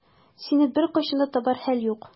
Сине беркайчан да табар хәл юк.